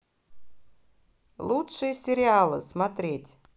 лучшие сериалы смотреть